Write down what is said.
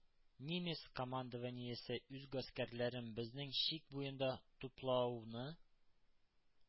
«нимес командованиесе үз гаскәрләрен безнең чик буенда туплауны,